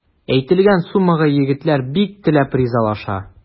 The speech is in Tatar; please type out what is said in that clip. Әйтелгән суммага егетләр бик теләп ризалаша.